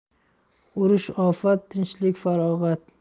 urush ofat tinchlik farog'at